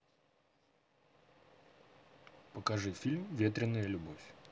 покажите фильм ветреная любовь